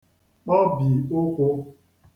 kpọbì ụkwụ̄